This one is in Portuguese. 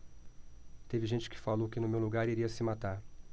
teve gente que falou que no meu lugar iria se matar